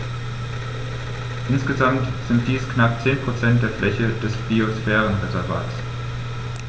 Insgesamt sind dies knapp 10 % der Fläche des Biosphärenreservates.